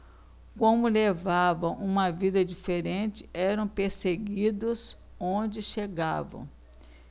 como levavam uma vida diferente eram perseguidos onde chegavam